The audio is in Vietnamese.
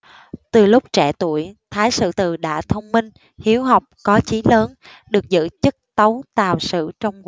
từ lúc trẻ tuổi thái sử từ đã thông minh hiếu học có chí lớn được giữ chức tấu tào sử trong